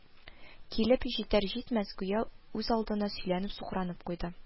Килеп җитәр-җитмәс, гүя үзалдына сөйләнеп-сукранып куйды: